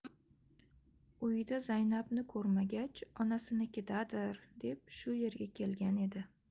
uyida zaynabni ko'rmagach onasinikidadir deb shu yerga kelgan edi